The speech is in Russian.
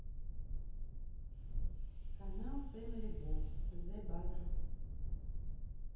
канал фэмили бокс зе бади